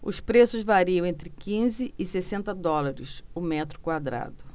os preços variam entre quinze e sessenta dólares o metro quadrado